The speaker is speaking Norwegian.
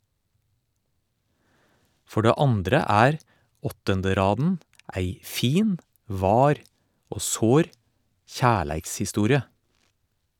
For det andre er Åttenderaden ei fin, var - og sår - kjærleikshistorie.